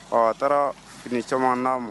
Ɔ a taara fini caman d'a ma